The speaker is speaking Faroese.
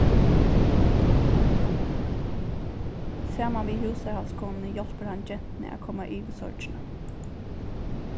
saman við húsarhaldskonuni hjálpir hann gentuni at koma yvir sorgina